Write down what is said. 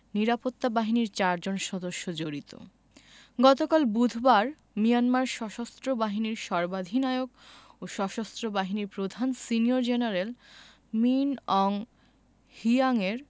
নিরাপত্তা বাহিনীর চারজন সদস্য জড়িত গতকাল বুধবার মিয়ানমার সশস্ত্র বাহিনীর সর্বাধিনায়ক ও সশস্ত্র বাহিনীর প্রধান সিনিয়র জেনারেল মিন অং হ্লিয়াংয়ের